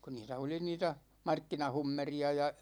kun niitä oli niitä markkinahummeria ja